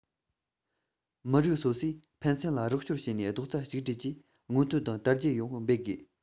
མི རིགས སོ སོས ཕན ཚུན ལ རོགས སྐྱོར བྱས ནས རྡོག རྩ གཅིག སྒྲིལ གྱིས སྔོན ཐོན དང དར རྒྱས ཡོང བར འབད དགོས